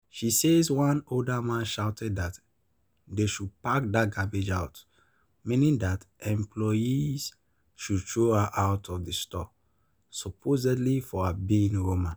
She says one older man shouted that they "should pack that garbage out", meaning that employees should throw her out of the store, supposedly for her being Roma.